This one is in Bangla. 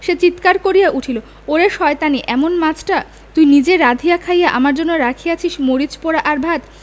সে চিৎকার করিয়া উঠিল ওরে শয়তানী এমন মাছটা তুই নিজে রাধিয়া খাইয়া আমার জন্য রাখিয়াছিস্ মরিচ পোড়া আর ভাত